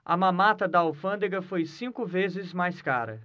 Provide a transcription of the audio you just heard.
a mamata da alfândega foi cinco vezes mais cara